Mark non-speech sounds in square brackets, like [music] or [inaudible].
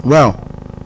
waaw [noise]